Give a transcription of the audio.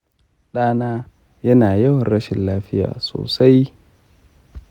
ɗana yana yawan rashin lafiya sosai.